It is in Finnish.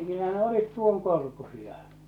kyllä ne olivat tuon korkuisia